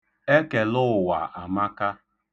Ekelụụwa amaka.